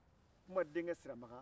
kunba denkɛ siramakan